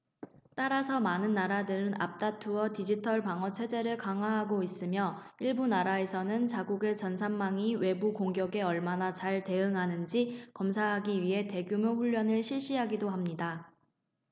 따라서 많은 나라들은 앞다투어 디지털 방어 체계를 강화하고 있으며 일부 나라에서는 자국의 전산망이 외부 공격에 얼마나 잘 대응하는지 검사하기 위해 대규모 훈련을 실시하기도 합니다